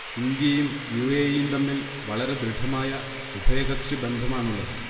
ഇന്ത്യയും യു. എ. ഇയും തമ്മിൽ വളരെ ദൃഢമായ ഉഭയകക്ഷി ബന്ധമാണുള്ളത്